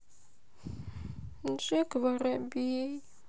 джек воробей